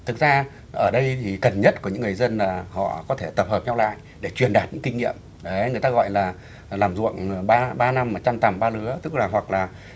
thực ra ở đây thì cần nhất của những người dân là họ có thể tập hợp nhau lại để truyền đạt những kinh nghiệm ấy người ta gọi là làm ruộng ba ba năm mà chăn tằm ba lứa tức là hoặc là